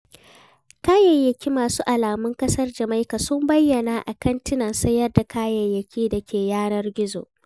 Kayayyaki masu alamun ƙasar Jamaika sun bayyana a kantinan sayar da kayayyaki da ke yanar gizo,